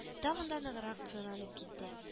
Тагын да ныграк кыюланып китте